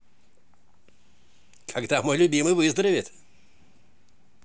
когда мой любимый выздоровеет